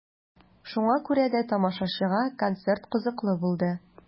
Шуңа күрә дә тамашачыга концерт кызыклы булды.